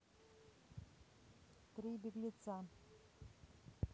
три беглеца